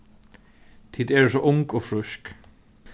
tit eru so ung og frísk